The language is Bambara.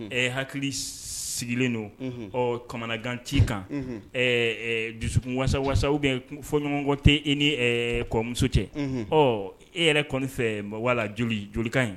Ɛ hakili sigilen don ɔ kamanakanci kan dusu wasa waasa bɛ fɔ ɲɔgɔnɲɔgɔnmɔgɔ tɛ e ni kɔmuso cɛ ɔ e yɛrɛ kɔni fɛ ma wala joli jolikan in